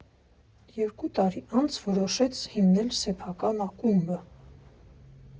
Երկու տարի անց որոշեց հիմնել սեփական ակումբը։